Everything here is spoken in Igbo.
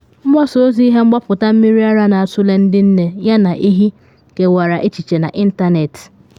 Mgbasa ozi ihe mgbapụta mmiri ara na atụle ndị nne yana ehi kewara echiche n’ịntanetị